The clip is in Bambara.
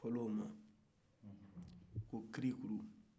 a bɛ fɔ o ma ko kirikuru